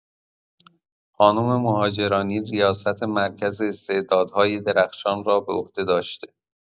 خانم مهاجرانی ریاست مرکز استعدادهای درخشان را به عهده داشته